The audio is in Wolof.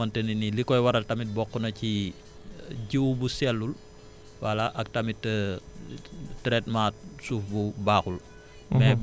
boo xamante ne ni li koy waral tamit bokk na ci jiw bu sellul voilà ak tamit traitement suuf bu baaxul